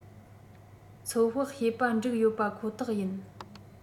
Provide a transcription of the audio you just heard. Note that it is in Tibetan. ཚོད དཔག བྱས པ འགྲིག ཡོད པ ཁོ ཐག ཡིན